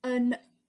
Yn